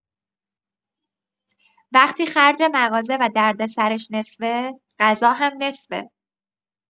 وقتی خرج مغازه و دردسرش نصفه، غذا هم نصفه.